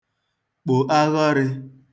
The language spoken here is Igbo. kpò aghọrị̄